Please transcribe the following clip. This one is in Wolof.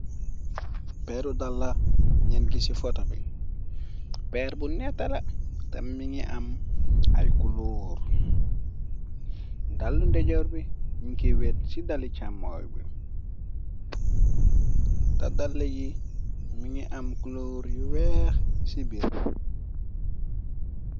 Peeru dalla ñen gi ci fotta bi peer bu netetala ta mi ngi am ay kulóor dallu ndejoor bi ñiki wet ci dali càmmooy bi te dal yi mi ngi am culóor yi weex ci biir.